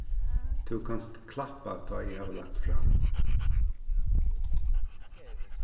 tú kanst klappa tá eg havi lagt fram